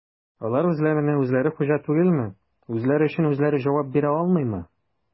Алар үзләренә-үзләре хуҗа түгелме, үзләре өчен үзләре җавап бирә алмыймы?